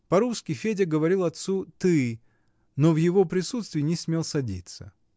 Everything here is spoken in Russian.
По-русски Федя говорил отцу: "ты", но в его присутствии не смел садиться.